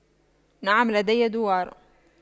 نعم لدي دوار